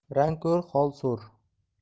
rang ko'r hol so'r